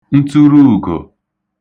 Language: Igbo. nturuùgò